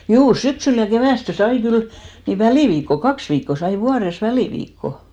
juu syksyllä ja keväästi sai kyllä niin väliviikko kaksi viikkoa sai vuodessa väliviikkoa